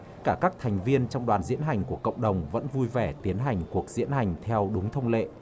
cả các thành viên trong đoàn diễu hành của cộng đồng vẫn vui vẻ tiến hành cuộc diễn hành theo đúng thông lệ